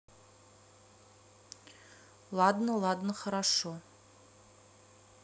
ладно ладно хорошо